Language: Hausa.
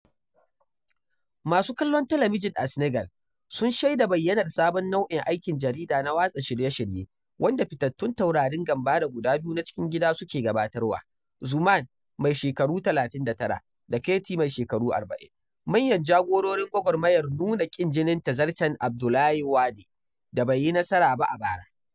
Masu kallon talabijin a Senegal sun shaida bayyanar sabon nau’in aikin jarida na watsa shirye-shirye, wanda fitattun taurarin gambara biyu na cikin gida suke gabatarwa, Xuman (mai shekaru 39) da Keyti (mai shekaru 40), manyan jagororin gwagwarmayar nuna ƙin jinin tazarcen Abdoulaye Wade da bai yi nasara ba a bara.